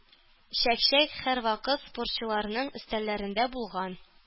Чәк-чәк һәрвакыт спортчыларның өстәлләрендә булган.